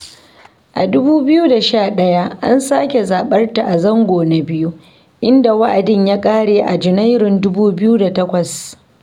A 2011 an sake zaɓar ta a zango na biyu, inda wa'adin ya ƙare a Junairun 2008.